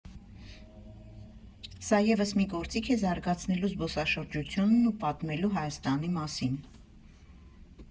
Սա ևս մի գործիք է զարգացնելու զբոսաշրջությունն ու պատմելու Հայաստանի մասին»։